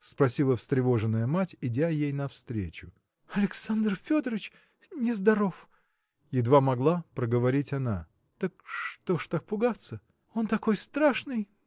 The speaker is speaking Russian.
– спросила встревоженная мать, идя ей навстречу. – Александр Федорыч. нездоров! – едва могла проговорить она. – Так что ж так пугаться? – Он такой страшный.